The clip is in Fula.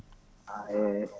a eyyi eyyi